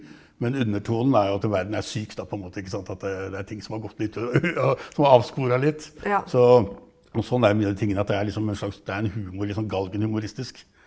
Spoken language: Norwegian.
men undertonen er jo at verden er syk da på en måte ikke sant at det er ting som har gått litt som har avspora litt, så og sånn er mye av de tingene, at jeg er liksom et slags det er en humor litt sånn galgenhumoristisk.